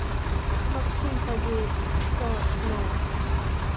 максим фадеев со лонг